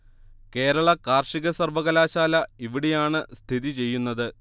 കേരള കാർഷിക സർവ്വകലാശാല ഇവിടെയാണ് സ്ഥിതിചെയ്യുന്നത്